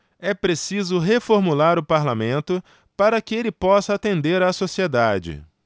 é preciso reformular o parlamento para que ele possa atender a sociedade